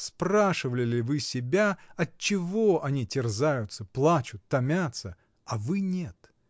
Спрашивали ли вы себя, отчего они терзаются, плачут, томятся, а вы нет?